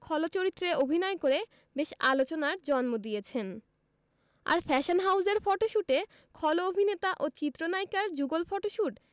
খল চরিত্রে অভিনয় করে বেশ আলোচনার জন্ম দিয়েছেন আর ফ্যাশন হাউজের ফটোশুটে খল অভিনেতা ও চিত্রনায়িকার যুগল ফটোশুট